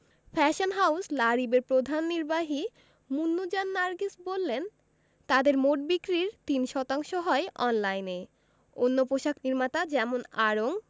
fashion house La রিবের প্রধান নির্বাহী মুন্নুজান নার্গিস বললেন তাঁদের মোট বিক্রির ৩ শতাংশ হয় অনলাইনে অন্য পোশাক নির্মাতা যেমন আড়ং